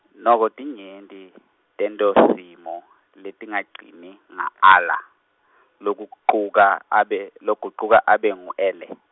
noko tinyenti, tentosimo, letingagcini, nga ala, lokugucuka abe, logucuka abe ngu ele.